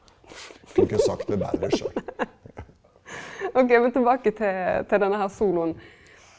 ok men tilbake til til denne her soloen.